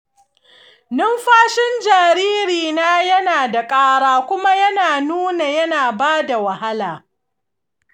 numfashin jaririna yana da ƙara kuma yana nuna yana ba da wahala.